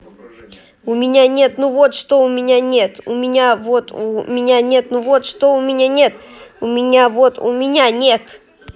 у меня нет ну вот что у меня нет у меня вот у меня нет ну вот что у меня нет у меня вот у меня нет